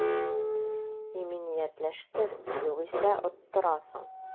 Иминиятләштер, югыйсә оттырасың